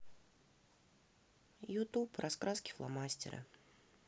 ютуб раскраски фломастеры